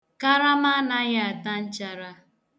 Karama anaghị ata nchara.